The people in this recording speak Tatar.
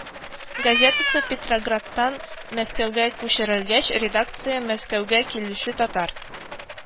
Газетасы петроградтан мәскәүгә күчерелгәч, редакция мәскәүгә килүче татар